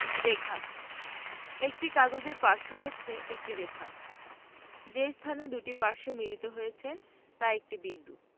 রেখা একটি কাগজের পার্শ্ব হচ্ছে একটি রেখা যে স্থানে দুইটি পার্শ্ব মিলিত হয়েছে তা একটি বিন্দু